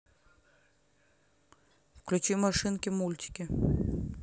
включи машинки мультики